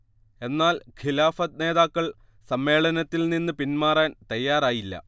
എന്നാൽ ഖിലാഫത്ത് നേതാക്കൾ സമ്മേളനത്തിൽ നിന്ന് പിന്മാറാൻ തയാറായില്ല